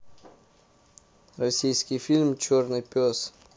российский фильм черный пес